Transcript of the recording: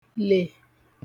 le